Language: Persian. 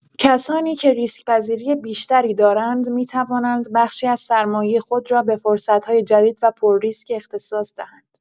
کسانی که ریسک‌پذیری بیشتری دارند می‌توانند بخشی از سرمایه خود را به فرصت‌های جدید و پرریسک اختصاص دهند.